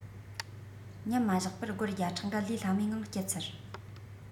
ཉམས མ བཞག པར སྒོར བརྒྱ ཕྲག འགའ ལས སླ མོའི ངང སྤྱད ཚར